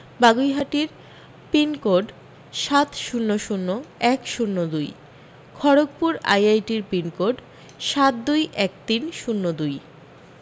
বাগুইআটির pin code সাত শূন্য শূন্য এক শূন্য দুই খড়গপুর আইআইটির পিন কোড সাত দুই এক তিন শূন্য দুই